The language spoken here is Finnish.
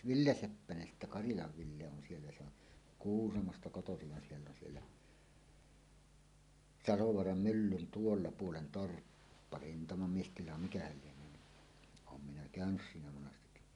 Ville Seppänen sitten Karilan Ville on siellä se on Kuusamosta kotoisin vaan siellä on siellä Salovaaran myllyn tuolla puolen torppa rintamamiestila mikähän lienee niin olen minä käynyt siinä monasti